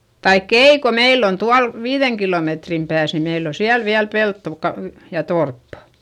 tai ei kun meillä on tuolla viiden kilometrin päässä niin meillä on siellä vielä peltoa - ja torppa